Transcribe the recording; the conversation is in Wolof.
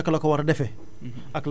naka la ko war a defee